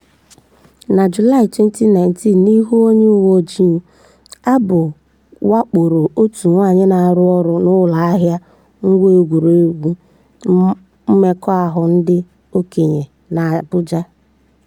Na Julaị 2019, n’ihu onye uweojii, Abbo wakporo otu nwaanyị na-arụ ọrụ n’ụlọ ahịa ngwa egwuregwu mmekọahụ ndị okenye n'Abuja.